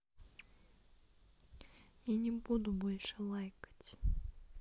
я не буду больше лайкать